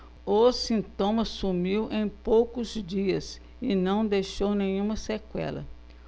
o sintoma sumiu em poucos dias e não deixou nenhuma sequela